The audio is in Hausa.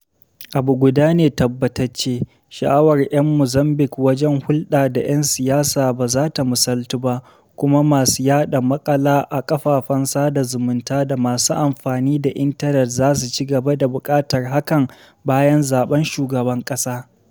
Abu guda ne tabbatacce, sha'awar 'yan Mozambika wajen hulɗa da 'yan siyasa ba zata musaltu ba, kuma masu yaɗa maƙala a kafafen sada zumunta da masu amfani da intanet zasu ci gaba da buƙatar hakan bayan zaɓen Shugaban ƙasa.